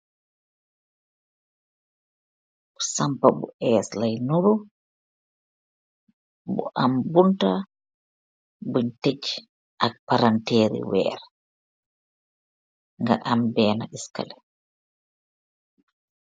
Sampa bu ess lai nduruu, bu am bontaa bunj techi ak balanteeri weer ga amm behna eskaleh